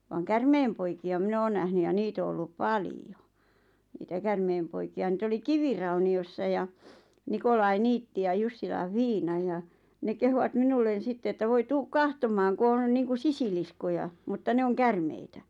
vaan käärmeenpoikia minä olen nähnyt ja niitä on ollut paljon niitä käärmeenpoikia niitä oli kivirauniossa ja Nikolai niitti ja Jussilan Fiina ja ne kehuivat minulle sitten että voi tule katsomaan kun on niin kuin sisiliskoja mutta ne on käärmeitä